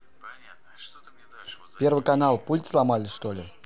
первый канал пульт сломали что ли